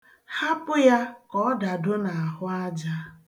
Hapụ ya ka ọ dado n'ahụ aja.